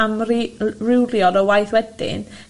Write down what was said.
amri - rywbion o waith wedyn.